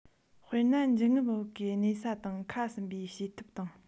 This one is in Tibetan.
དཔེར ན འབྱིན རྔུབ བུ གའི གནས ས དང ཁ ཟུམ པའི བྱེད ཐབས དང